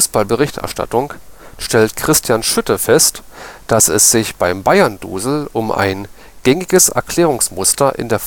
Fußballberichterstattung stellt Christian Schütte fest, dass es sich beim Bayern-Dusel um ein „ gängiges Erklärungsmuster in der